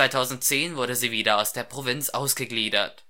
2010 wurde sie wieder aus der Provinz ausgegliedert